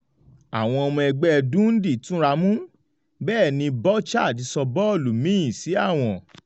Àwọn ọmọ Dundee túnramú. Bẹ́ẹ̀ ni Bouchard sọ bọ́ọ̀lù míì sí àwọ̀n.